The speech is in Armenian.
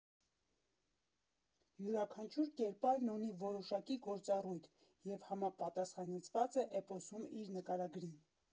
Յուրաքանչյուր կերպարն ունի որոշակի գործառույթ և համապատասխանեցված է էպոսում իր նկարագրին։